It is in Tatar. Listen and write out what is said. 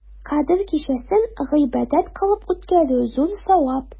Кадер кичәсен гыйбадәт кылып үткәрү зур савап.